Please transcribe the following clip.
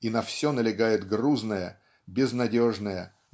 и на все налегает грузная безнадежная